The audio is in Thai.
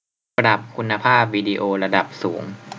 ปรับคุณภาพวิดีโอระดับสูง